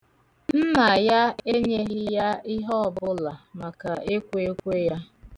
Nna ya enyeghị ya ihe ọbụla maka ekweekwe ya.